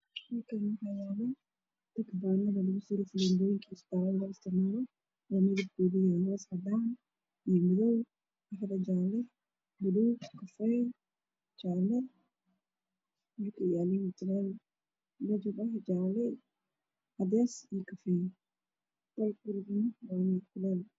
Meshaan waxaa yaalo birta faleemada lagu suro kalar keedu waa madow, cadaan iyo cadeys